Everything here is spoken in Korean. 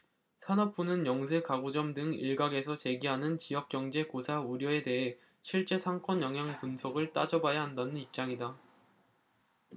산업부는 영세 가구점 등 일각에서 제기하는 지역경제 고사 우려에 대해 실제 상권 영향분석을 따져봐야 한다는 입장이다